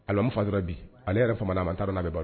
Alimami faatura bi ale yɛrɛ famana a ma n't'a dɔn na bɛ balo la.